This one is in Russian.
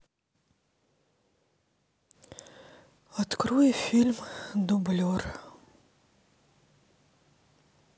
открой фильм дублер